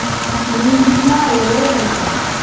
мне не грибная левинсон